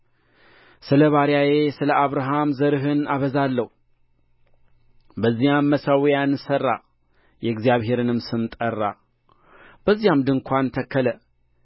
ስለ ባሪያዬ ስለ አብርሃም ዘርህን አበዛለሁ በዚያም መሠዊያን ሠራ የእግዚአብሔርንም ስም ጠራ በዚያም ድንኳን ተከለ